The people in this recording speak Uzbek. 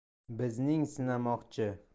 bizning sinamoqchi